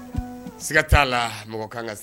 Iga t'a la mɔgɔ kan ka